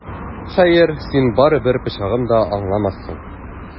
Хәер, син барыбер пычагым да аңламассың!